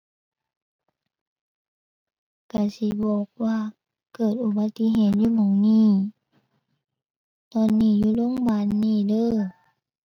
ก็สิบอกว่าเกิดอุบัติเหตุอยู่หม้องนี้ ตอนนี้อยู่โรงบาลนี้เด้อ